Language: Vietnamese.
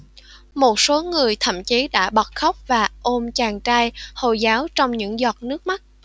một số người thậm chí đã bật khóc và ôm chàng trai hồi giáo trong những giọt nước mắt